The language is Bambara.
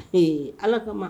Ee ala kama